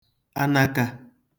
anakā